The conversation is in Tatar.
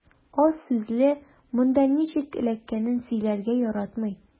Аз сүзле, монда ничек эләккәнен сөйләргә яратмый.